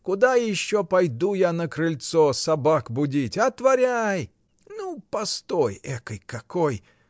— Куда еще пойду я на крыльцо, собак будить? Отворяй! — Ну, постой; экой какой!